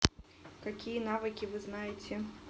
какие навыки вы знаете